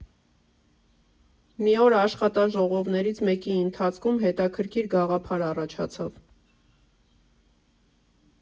«Մի օր աշխատաժողովներից մեկի ընթացքում հետաքրքիր գաղափար առաջացավ.